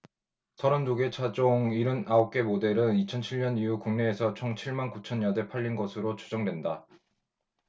서른 두 개 차종 일흔 아홉 개 모델은 이천 칠 년 이후 국내에서 총 칠 만 구천 여대 팔린 것으로 추정된다